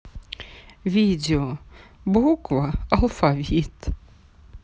видео буква алфавит